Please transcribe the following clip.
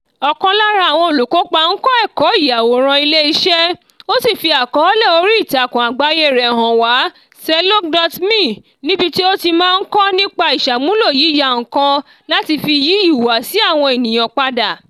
Ọ̀kan lára àwọn olùkópa ń kọ́ ẹ̀kọ́ ìyàwòrán ilé iṣẹ́, ó sì fi àkọ́ọ́lẹ̀ orí ìtàkùn àgbáyé rẹ̀ hàn wá, Selouk.me, níbi tí ó ti máa ń kọ nípa ìsàmúlò yíyà nǹkan láti fi yí ìhùwàsí àwọn ènìyàn padà.